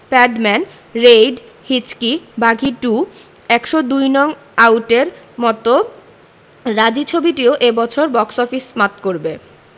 Padman Raid Hichki Baaghi two ১০২ not আউটের মতো রাজী ছবিটিও এ বছর বক্স অফিস মাত করবে